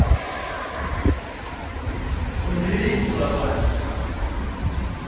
убери слава